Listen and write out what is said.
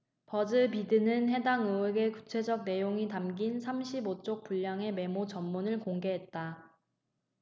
버즈피드는 해당 의혹의 구체적 내용이 담긴 삼십 오 쪽 분량의 메모 전문을 공개했다